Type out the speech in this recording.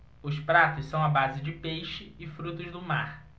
os pratos são à base de peixe e frutos do mar